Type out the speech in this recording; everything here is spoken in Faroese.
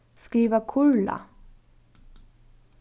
skriva kurla